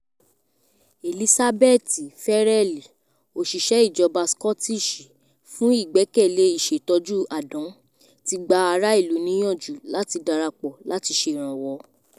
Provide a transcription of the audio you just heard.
Elisabeth Ferrell, Òṣìṣẹ́ ìjọba Scottish fún Ìgbẹkẹ̀lé Ìṣètọ́jú Àdán, tí gba ara ilú níyànjú láti dárapọ̀ láti ṣèrànwọ.